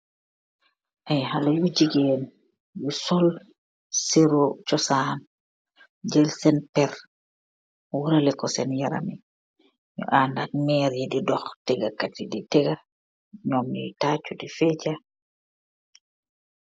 Ayy haleeh yu jigeen yu sol soreeh jusaan jeel senn perr worehlekoh sen yaram bi anndax mereh dih dooh tegax kateh di tekaah joom di tajuh di fajah.